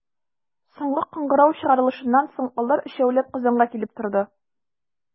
Соңгы кыңгырау чыгарылышыннан соң, алар, өчәүләп, Казанга килеп торды.